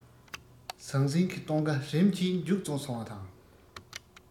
ཟང ཟིང གི སྟོན ཀ རིམ གྱིས མཇུག རྫོགས སོང བ དང